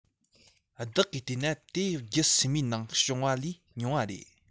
བདག གིས བལྟས ན དེ རྒྱུད བསྲེས མའི ནང བྱུང བ ལས ཉུང བ རེད